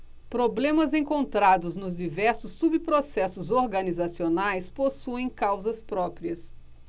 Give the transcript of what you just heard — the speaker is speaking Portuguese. problemas encontrados nos diversos subprocessos organizacionais possuem causas próprias